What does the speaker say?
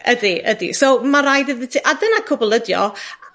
...ydi ydi. So ma' raid iddo ti... a dyna cwbwl ydi o.